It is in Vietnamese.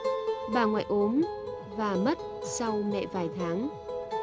bà ngoại ốm và mất sau mẹ vài tháng